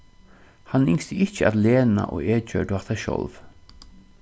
hann ynskti ikki at lena og eg gjørdu hatta sjálv